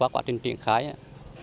qua quá trình triển khai a